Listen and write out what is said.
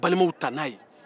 balimaw ta n'a ye